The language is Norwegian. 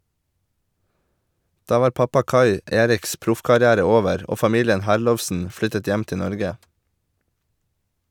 Da var pappa Kai Eriks proffkarriere over, og familien Herlovsen flyttet hjem til Norge.